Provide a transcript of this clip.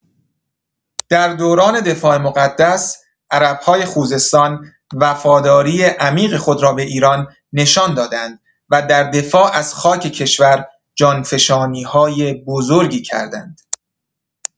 در دوران دفاع مقدس، عرب‌های خوزستان وفاداری عمیق خود را به ایران نشان دادند و در دفاع از خاک کشور جانفشانی‌های بزرگی کردند.